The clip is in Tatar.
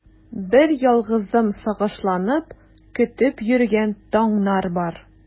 Берьялгызым сагышланып көтеп йөргән таңнар бар.